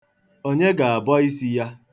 Onye ga-abọ isi ya?